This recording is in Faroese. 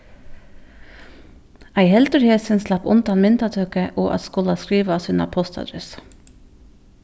ei heldur hesin slapp undan myndatøku og at skula skriva sína postadressu